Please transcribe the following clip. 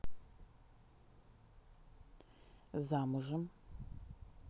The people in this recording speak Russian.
замужем